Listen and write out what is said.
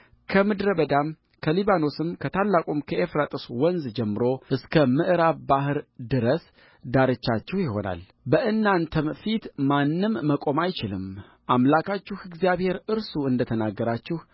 ከምድረ በዳም ከሊባኖስም ከታላቁም ከኤፍራጥስ ወንዝ ጀምሮ እስከ ምዕራብ ባሕር ድረስ ዳርቻችሁ ይሆናልበእናንተም ፊት ማንም መቆም አይችልም አምላካችሁ እግዚአብሔር እርሱ እንደ ተናገራችሁ